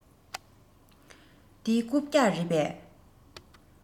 འདི རྐུབ བཀྱག རེད པས